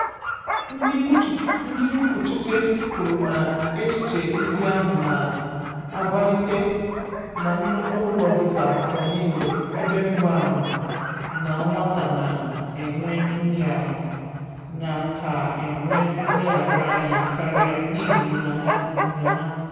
Ndị nkwuchite kwuru na echiche ndị ahụ na agbalite na nnukwu ụlọ dị ka Tornillo, ebe mgbama na nwata na enwe nhịahụ na ka enwe nleghara anya karịa, n’ihi nha ya.